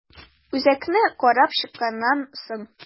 Үзәкне карап чыкканнан соң.